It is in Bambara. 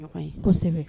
Kosɛbɛ!